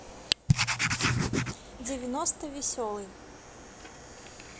девяносто веселый